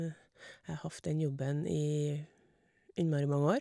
Jeg har hatt den jobben i innmari mange år.